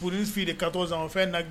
Furu siri de ka to zan fɛn